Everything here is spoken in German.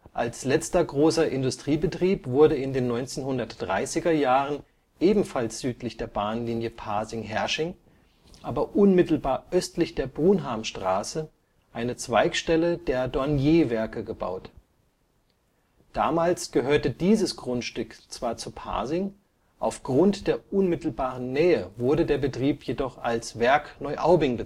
Als letzter großer Industriebetrieb wurde in den 1930er-Jahren ebenfalls südlich der Bahnlinie Pasing – Herrsching, aber unmittelbar östlich der Brunhamstraße, eine Zweigstelle der Dornier-Werke gebaut. Damals gehörte dieses Grundstück zwar zu Pasing, auf Grund der unmittelbaren Nähe wurde der Betrieb jedoch als Werk Neuaubing